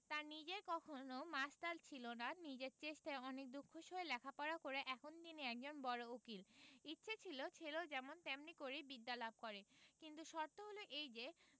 তাঁর নিজের কখনো মাস্টার ছিল না নিজের চেষ্টায় অনেক দুঃখ সয়ে লেখাপড়া করে এখন তিনি একজন বড় উকিল ইচ্ছে ছিল ছেলেও যেন তেমনি করেই বিদ্যা লাভ করে কিন্তু শর্ত হলো এই যে